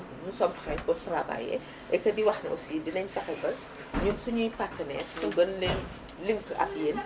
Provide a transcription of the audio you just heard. nous sommes pret pour travailler et que di wax ne aussi dinañu fexe ba ñun suñuy partenaires ñu gën leen link ak yéen